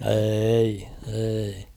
ei ei